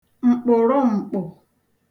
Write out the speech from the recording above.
m̀kpụ̀rụm̀kpụ̀